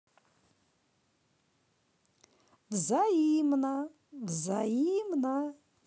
взаимно взаимно